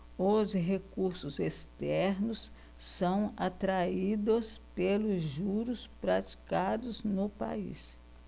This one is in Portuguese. os recursos externos são atraídos pelos juros praticados no país